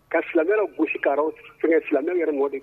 Ka silamɛ gosi ka sɛgɛn silamɛ yɛrɛ mɔgɔ de